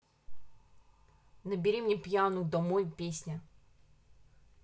набери мне пьяную домой песня